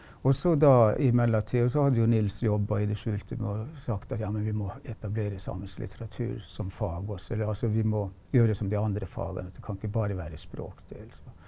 også da i mellomtida og så hadde jo Nils jobba i det skjulte med og sagt at ja, men vi må etablere samisk litteratur som fag også eller altså vi må gjøre som de andre fagene dette kan ikke bare være språk det liksom.